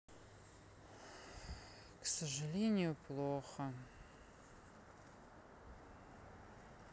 к сожалению плохо